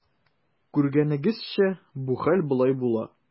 Күргәнегезчә, бу хәл болай була.